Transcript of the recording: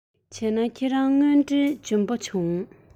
བྱས ན ཁྱེད རང དངོས འབྲེལ འཇོན པོ བྱུང